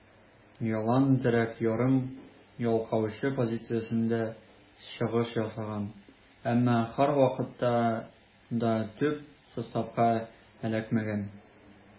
Ялланн терәк ярым яклаучы позициясендә чыгыш ясаган, әмма һәрвакытта да төп составка эләкмәгән.